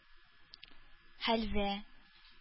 Хәлвә